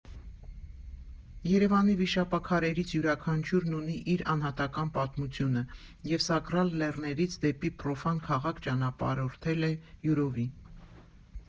Երևանի վիշապաքարերից յուրաքանչյուրն ունի իր անհատական պատմությունը և սակրալ լեռներից դեպի պրոֆան քաղաք ճանապարհորդել է յուրովի։